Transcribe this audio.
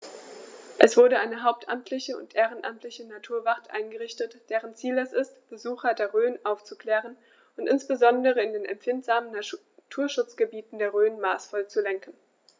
Es wurde eine hauptamtliche und ehrenamtliche Naturwacht eingerichtet, deren Ziel es ist, Besucher der Rhön aufzuklären und insbesondere in den empfindlichen Naturschutzgebieten der Rhön maßvoll zu lenken.